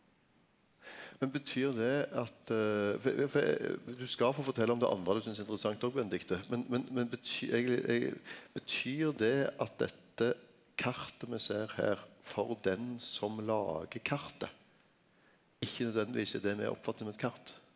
men betyr det at for for du skal få fortelja om det andre du synst er interessant òg Benedicte men men men eigentleg betyr det at dette kartet me ser her for den som lagar kartet ikkje nødvendigvis er det me oppfattar som eit kart?